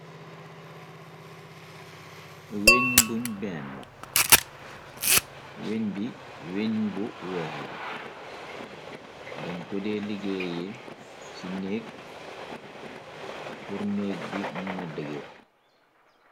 Weñ buñ benn la weñ bi weñ bu weex la dañ kodee liggéeye ci neek purneeg bi muna degir.